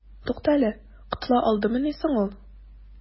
Туктале, котыла алдымыни соң ул?